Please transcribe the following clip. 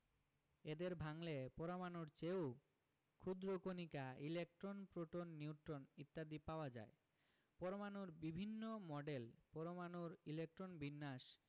এদের ভাঙলে পরমাণুর চেয়েও ক্ষুদ্র কণিকা ইলেকট্রন প্রোটন নিউট্রন ইত্যাদি পাওয়া যায় পরমাণুর বিভিন্ন মডেল পরমাণুর ইলেকট্রন বিন্যাস